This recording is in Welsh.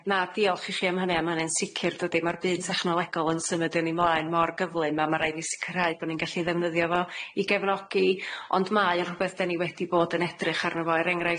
Na, diolch ichi am hynny. A ma' hynny'n sicir, dydi? Ma'r byd technolegol yn symud â ni mlaen mor gyflym, a ma' raid fi sicirhau bo' ni'n gallu'i ddefnyddio fo i gefnogi. Ond mae o'n rhwbeth 'den ni wedi bod yn edrych arno fo. Er enghraifft